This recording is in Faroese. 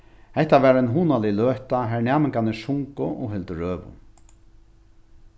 hetta var ein hugnalig løta har næmingarnir sungu og hildu røðu